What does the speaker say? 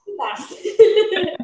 Dwi'n dalld .